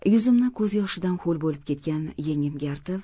yuzimni ko'z yoshidan ho'l bo'lib ketgan yengimga artib